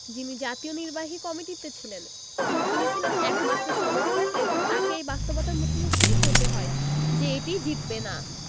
যিনি জাতীয় নির্বাহী কমিটিতে ছিলেন কিন্তু তিনি ছিলেন একমাত্র সমর্থক এবং তাঁকে এই বাস্তবতার মুখোমুখি হতে হয় যে এটি জিতবে না